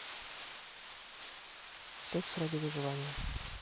секс ради выживания